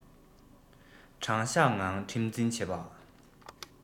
དྲང གཞག ངང ཁྲིམས འཛིན བྱེད པ